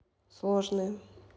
сложные